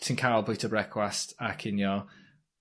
ti'n ca'l bwyta brecwast a cinio.